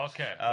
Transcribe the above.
O ocê reit.